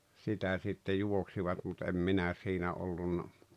sitä sitten juoksivat mutta en minä siinä ollut